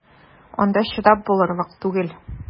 Анда чыдап булырлык түгел!